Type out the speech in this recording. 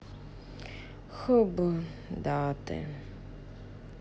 хб даты